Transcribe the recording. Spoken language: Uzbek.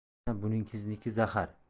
mana buningizniki zahar